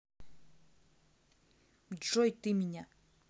джой ты меня